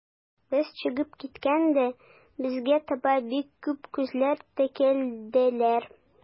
Без чыгып киткәндә, безгә таба бик күп күзләр текәлделәр.